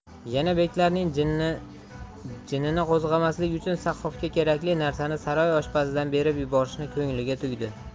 yana beklarning jinini qo'zg'amaslik uchun sahhofga kerakli narsani saroy oshpazidan berib yuborishni ko'ngliga tugdi